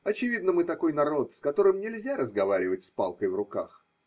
Очевидно, мы такой народ, с которым нельзя разговаривать с палкой в руках.